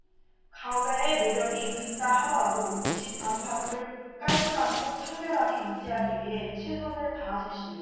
가외의 노력이 든다 하더라도 집 안팎을 깔끔하고 청결하게 유지하기 위해 최선을 다하십시오